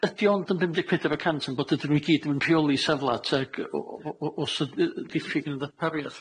Ydi ond yn bum deg peder y cant yn bod ydyn nw i gyd yn rheoli safle teg o- o- o- os odd yy diffyg yn ddarpariaeth?